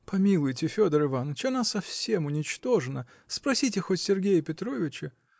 Помилуйте, Федор Иваныч, она совсем уничтожена, спросите хоть Сергея Петровича